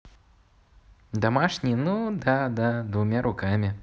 домашний ну да да двумя руками